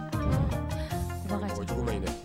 N taara fɔ cogo ma ye dɛ